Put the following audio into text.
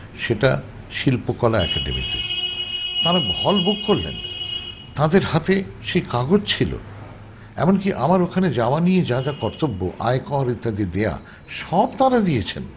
করাতে সেটা শিল্পকলা একাডেমীতে তারা হল বুক করলেন তাদের হাতে সে কাগজ ছিল এমনকি আমার ওখানে যাওয়া নিয়ে যা যা কর্তব্য আয় কর ইত্যাদি দেয়া সব তারা দিয়েছেন